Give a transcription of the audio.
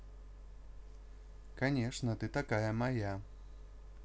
конечно ты такая моя